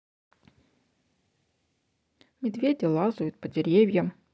медведи лазают по деревьям